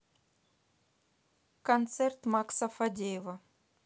концерт макса фадеева